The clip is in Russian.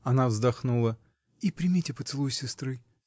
(она вздохнула) и примите поцелуй сестры.